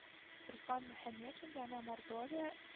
Руслан Мөхәмметшин янә Мордовия